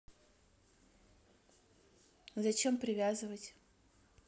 зачем привязывать